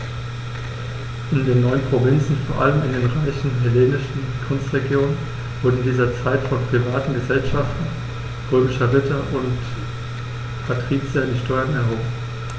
In den neuen Provinzen, vor allem in den reichen hellenistischen Küstenregionen, wurden in dieser Zeit von privaten „Gesellschaften“ römischer Ritter und Patrizier die Steuern erhoben.